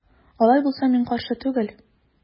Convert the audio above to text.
Алай булса мин каршы түгел.